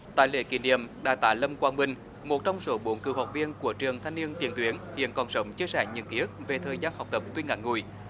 tại lễ kỷ niệm đại tá lâm quang vinh một trong số bốn cựu học viên của trường thanh niên tiền tuyến hiện còn sống chia sẻ những ký ức về thời gian học tập tuy ngắn ngủi